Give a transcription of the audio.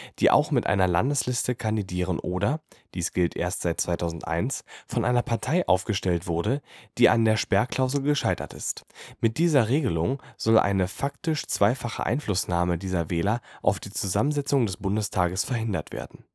die auch mit einer Landesliste kandidiert oder (dies gilt erst seit 2011) von einer Partei aufgestellt wurde, die an der Sperrklausel gescheitert ist. Mit dieser Regelung soll eine faktisch zweifache Einflussnahme dieser Wähler auf die Zusammensetzung des Bundestages verhindert werden